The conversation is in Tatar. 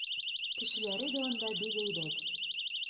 Кешеләре дә анда бик әйбәт.